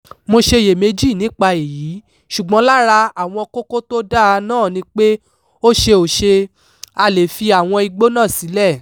Mò ṣeyèméjì nípa èyí, ṣùgbọ́n ọ̀kan lára àwọn kókó to dáa náà ni pé ó ṣe ò ṣe a lè fi àwọn igbó náà sílẹ̀.